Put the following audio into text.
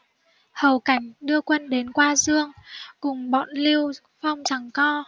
hầu cảnh đưa quân đến qua dương cùng bọn lưu phong giằng co